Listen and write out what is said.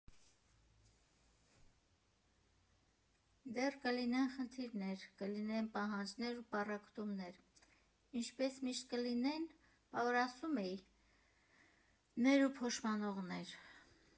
Դեռ կլինեն խնդիրներ, կլինեն պահանջներ ու պառակտումներ, ինչպես միշտ կլինեն՝ «բա որ ասում էի՜»֊ներ ու փոշմանողներ։